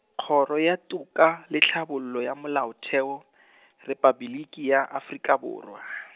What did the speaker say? Kgoro ya Toka le Tlhabollo ya Molaotheo , Repabliki ya Afrika Borwa.